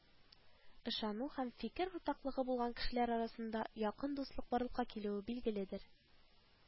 Ышану һәм фикер уртаклыгы булган кешеләр арасында якын дуслык барлыкка килүе билгеледер